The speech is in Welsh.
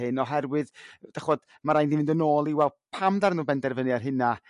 hyn oherwydd dych'mod ma' raid ni fynd yn ôl i weld pam ddaru nhw benderfyni ar hynna